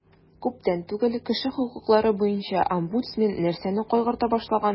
Күптән түгел кеше хокуклары буенча омбудсмен нәрсәне кайгырта башлаган?